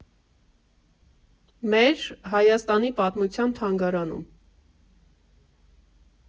Մեր՝ Հայաստանի պատմության թանգարանում։